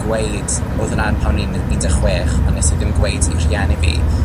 gweud... odd 'wna yn pan o'n un de' chwech ond nes i ddim gweud i rhieni fi